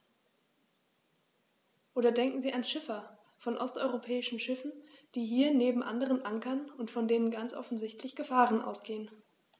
Oder denken Sie an Schiffer von osteuropäischen Schiffen, die hier neben anderen ankern und von denen ganz offensichtlich Gefahren ausgehen.